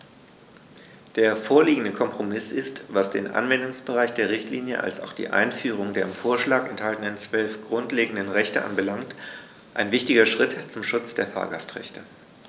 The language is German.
Der vorliegende Kompromiss ist, was den Anwendungsbereich der Richtlinie als auch die Einführung der im Vorschlag enthaltenen 12 grundlegenden Rechte anbelangt, ein wichtiger Schritt zum Schutz der Fahrgastrechte.